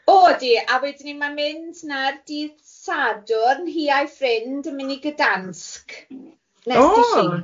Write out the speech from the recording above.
O ydi, a wedyn ni ma'n mynd na'r dydd Sadwrn hi a'i ffrind yn mynd i Gdansk nes di Llun. O,